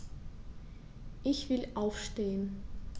Ich will aufstehen.